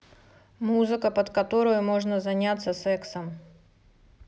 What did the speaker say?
музыка под которую можно заняться сексом